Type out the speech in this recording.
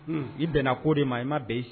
I bɛnna ko de ma i ma bɛ